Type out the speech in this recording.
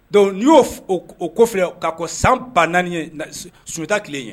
Donc n'i y'o ko filɛ k'a kɔn san 4000 ɲɛ, sunjata tile ɲɛ.